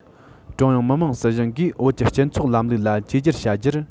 ཀྲུང དབྱང མི དམངས སྲིད གཞུང གིས བོད ཀྱི སྤྱི ཚོགས ལམ ལུགས ལ བཅོས སྒྱུར བྱ རྒྱུར